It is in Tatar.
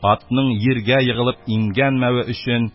Атның йиргә егылып имгәнмәве өчен,